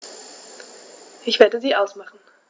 Ich werde sie ausmachen.